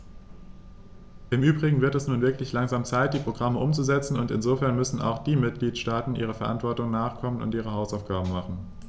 Im übrigen wird es nun wirklich langsam Zeit, die Programme umzusetzen, und insofern müssen auch die Mitgliedstaaten ihrer Verantwortung nachkommen und ihre Hausaufgaben machen.